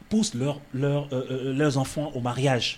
Poussent leurs, les enfants au mariage